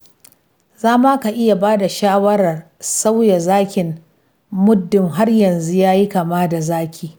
Za ma ka iya ba da shawarar sauya zakin, muddun har yanzu ya yi kama da zaki.